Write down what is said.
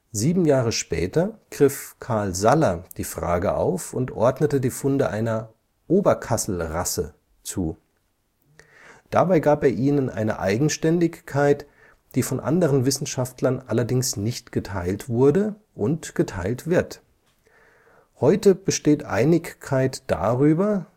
Sieben Jahre später griff Karl Saller die Frage auf und ordnete die Funde einer „ Oberkasselrasse “zu. Dabei gab er ihnen eine Eigenständigkeit, die von anderen Wissenschaftlern allerdings nicht geteilt wurde und geteilt wird. Heute besteht Einigkeit darüber